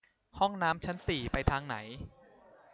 ห้องน้ำชั้นสี่ไปทางไหน